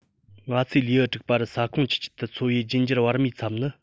ང ཚོས ལེའུ དྲུག པ རུ ས ཁོངས ཀྱི དཀྱིལ དུ འཚོ བའི རྒྱུད འགྱུར བར མའི ཚབ ནི